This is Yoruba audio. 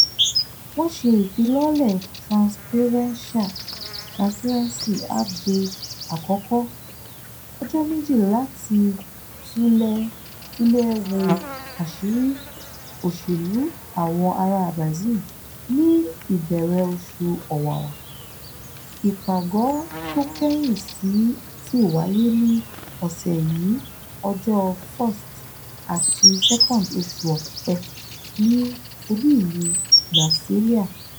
Wọ́n ṣe ìfilọ́lẹ̀ Transparência [Transparency] Hackday àkọ́kọ́, “ọjọ́ mejì láti túlẹ̀ wo àṣìrí òṣèlú àwọn ará Brazil” ní ìbẹ̀rẹ̀ oṣù Ọ̀wàwà, ìpàgọ́ tó kẹ́yìn sì wáyé ní ọ̀sẹ̀ yìí ọjọ́ 1st àti 2nd oṣù Ọ̀pẹ ní olú ìlu Brasília [pt].